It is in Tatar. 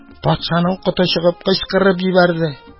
Патшаның коты чыгып, кычкырып җибәрде.